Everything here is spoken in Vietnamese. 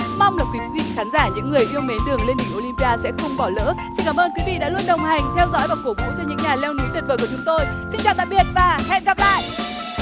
mong là quý vị khán giả những người yêu mến đường lên đỉnh ô lim pi a sẽ không bỏ lỡ xin cảm ơn quý vị đã luôn đồng hành theo dõi và cổ vũ cho những nhà leo núi tuyệt vời của chúng tôi xin chào tạm biệt và hẹn gặp lại